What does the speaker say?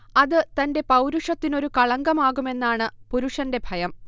അത് തന്റെ പൗരുഷത്തിനൊരു കളങ്കമാകുമെന്നാണ് പുരുഷന്റെ ഭയം